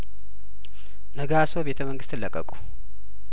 ነጋሶ ቤተ መንግስትን ለቀቁ